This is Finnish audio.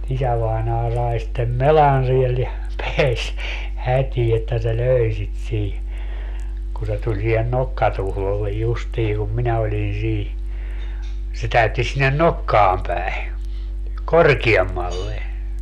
isävainaja sai sitten melan siellä ja pääsi hätiin että se löi sitä siinä kun se tuli siihen nokkatuhdolle justiin kun minä olin siinä se täytti sinne nokkaan päin korkeammalle